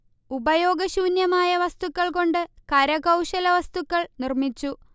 ഉപയോഗശൂന്യമായ വസ്തുക്കൾ കൊണ്ട് കരകൗശല വസ്തുക്കൾ നിർമിച്ചു